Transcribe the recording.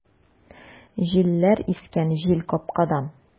Җилләр искән җилкапкадан!